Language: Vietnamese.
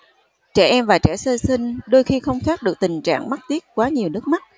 trẻ em và trẻ sơ sinh đôi khi không thoát được tình trạng mắt tiết quá nhiều nước mắt